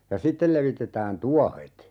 ja sitten levitetään tuohet